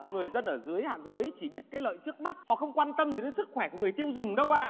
người dân ở dưới hạ giới chỉ biết cái lợi trước mắt họ không quan tâm gì đến sức khỏe người tiêu dùng đâu ạ